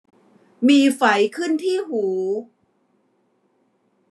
มีไฝขึ้นที่หู